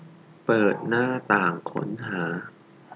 เปิดหน้าต่างค้นหา